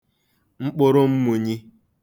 mkpụrụmmūnyī